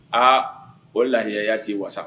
Aa o lahiya y'a ci' wasa